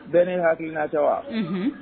Bɛɛ ni hakilina tɛ wa? Unhun.